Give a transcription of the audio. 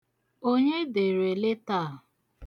Onye dere leta a?